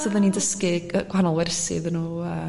so odda ni'n dysgu gyy- gwahanol wersi iddyn nw y